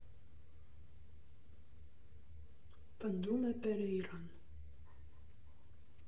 Պնդում է Պերեյրան։